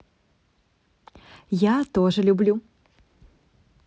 я тоже люблю